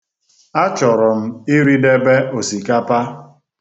Achọrọ m iridebe osikapa.